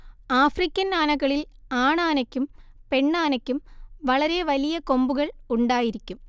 African ആനകളിൽ ആണാനയ്ക്കും പെണ്ണാനയ്ക്കും വളരെ വലിയ കൊമ്പുകൾ ഉണ്ടായിരിക്കും